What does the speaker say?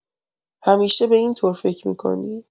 همیشه به اینطور فکر می‌کنی؟